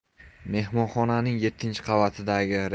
mehmonxonaning yettinchi qavatidagi